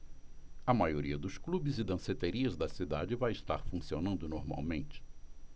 a maioria dos clubes e danceterias da cidade vai estar funcionando normalmente